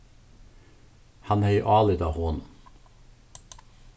hann hevði álit á honum